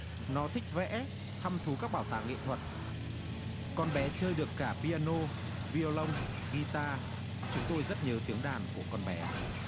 nó thích vẽ thăm thú các bảo tàng nghệ thuật con bé chơi được cả pi a nô vi ô lông ghi ta chúng tôi rất nhớ tiếng đàn của con bé